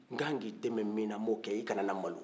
n ka kan k'i dɛmɛ min o b'o kɛ i kanana malo